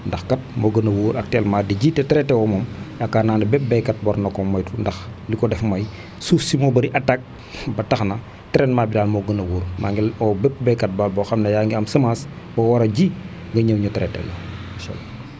ndax kat moo gën a wóor actuellemnt di ji te traité woo moom yaakaar naa ne bépp baykat war na koo moytu ndax li ko def mooy suuf si moo bëri attaque ba tax na traitement bi daal moo gën a wóor maa ngi oo bépp baykat daal boo xam ne yaa ngi am semence boo war a ji nga ñëw ñu traité teel la incha allah